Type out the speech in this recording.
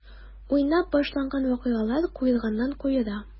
Уйнап башланган вакыйгалар куерганнан-куера.